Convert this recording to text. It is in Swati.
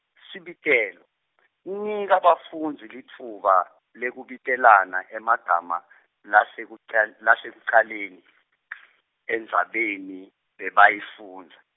Sibitelo , nika bafundzi litfuba lekubitelana emagama lasekucal-, lasekucaleni, endzabeni bebayifundza.